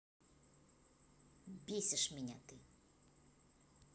бесишь меня ты